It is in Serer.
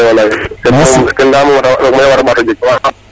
walay walay merci ken leya moom roog moƴu a wara ɓato jeg